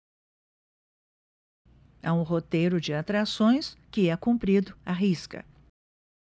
há um roteiro de atrações que é cumprido à risca